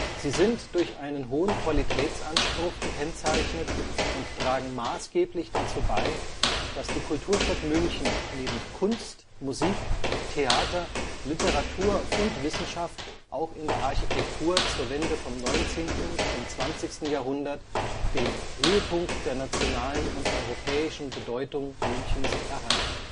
Sie sind durch einen hohen Qualitätsanspruch gekennzeichnet und tragen maßgeblich dazu bei, dass die Kulturstadt München neben Kunst, Musik, Theater, Literatur und Wissenschaft auch in der Architektur zur Wende vom 19. zum 20. Jahrhundert den „ Höhepunkt der nationalen und europäischen Bedeutung “Münchens erreichte